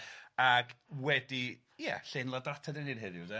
ag wedi ia llenladrata dani'n ddeud heddiw 'de... Ia...